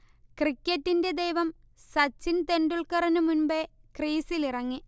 'ക്രിക്കറ്റിന്റെ ദൈവം' സച്ചിൻ ടെൻഡുൽക്കറിന് മുൻപേ ക്രീസിലിറങ്ങി